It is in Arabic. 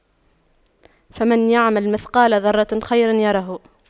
فَمَن يَعمَل مِثقَالَ ذَرَّةٍ خَيرًا يَرَهُ